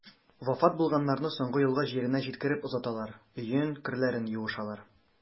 Вафат булганнарны соңгы юлга җиренә җиткереп озаталар, өен, керләрен юышалар.